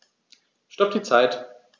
Stopp die Zeit